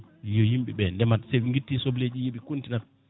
yo yimɓeɓe ndeeman sooɓe guitti soblejiɗi yooɓe continu nat